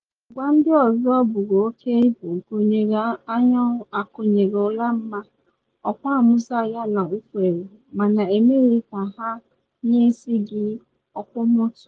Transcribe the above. Ngwa ndị ọzọ buru oke ibu gụnyere anyụ akwanyere ọla mma, okpo amusu yana nfueru - mana emeghị ka ha nye isi gị okpomọkụ.